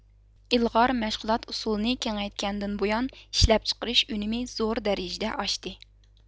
ئىلغار مەشغۇلات ئۇسۇلىنى كېڭيتكەندىن بۇيان ئىشلەپچىقىرىش ئۈنۈمى زور دەرىجىدە ئاشتى